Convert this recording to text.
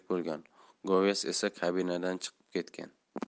kerak bo'lgan govyaz esa kabinadan chiqib ketgan